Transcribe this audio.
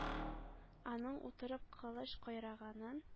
Аның утырып кылыч кайраганын